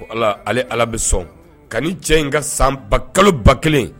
Ala ala bɛ sɔn ka cɛ in ka san ba kalo ba kelen